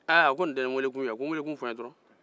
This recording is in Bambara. aa a ko nin tɛ n welekun ko n welekunfɔ n ye dɔrɔn